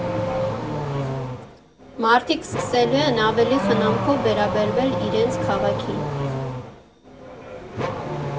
Մարդիկ սկսելու են ավելի խնամքով վերաբերվել իրենց քաղաքին։